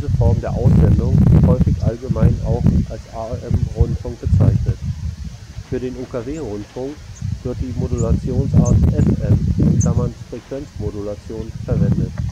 Form der Aussendung häufig allgemein auch als AM-Rundfunk bezeichnet. Für den UKW-Rundfunk wird die Modulationsart FM (Frequenzmodulation) verwendet